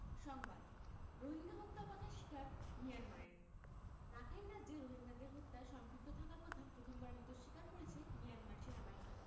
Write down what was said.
সংবাদ রোহিঙ্গা হত্যার কথা স্বীকার মিয়ানমারের রাখাইন রাজ্যে রোহিঙ্গাদের হত্যায় সম্পৃক্ত থাকার কথা প্রথমবারের মতো স্বীকার করেছে মিয়ানমার সেনাবাহিনী